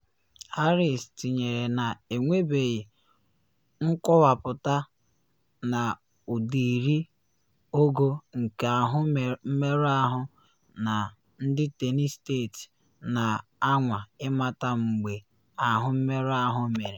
Harris tinyere na “enwebeghị nkọwapụta n’ụdịrị/ogo nke ahụ mmerụ ahụ” na ndị Tennessee State na anwa ịmata mgbe ahụ mmerụ ahụ mere.